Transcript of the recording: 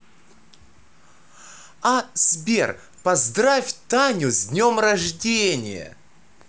а сбер поздравь таню с днем рождения